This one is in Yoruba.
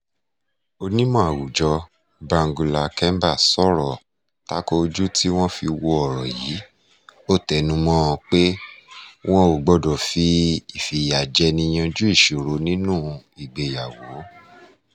Onímọ̀ àwùjọ Mbangula Kemba sọ̀rọ̀ tako ojú tí wọ́n fi wo ọ̀rọ̀ yìí, ó tẹnumọ́ọ pé wọn ò gbọdọ̀ fi ìfìyàjẹni yanjú ìṣòro nínú ìgbéyàwó.